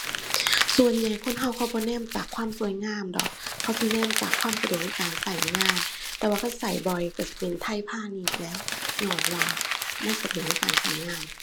ส่วนใหญ่คนเราเขาบ่แนมจากความสวยงามดอก เขาสิแนมจากความสะดวกในการเรางาน แต่ว่าคันเราบ่อยเราสิเป็นไทยพาณิชย์แหล้ว ญ้อนว่ามันสะดวกในการเรางาน